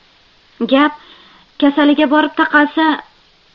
gap kasaliga borib taqalsa